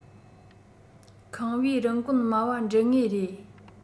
ཁང པའི རིན གོང དམའ བ འདྲུད ངེས རེད